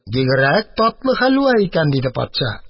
Бигрәк татлы хәлвә икән! – диде патша.